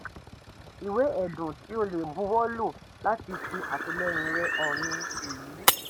Ìwé ẹ̀dùn tí o lè buwọ́lù láti fi àtìlẹ́yìn rẹ hàn ní èyí.